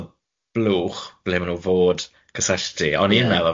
o'dd y blwch ble mae nw fod cysyllu, o'n i meddwl fod e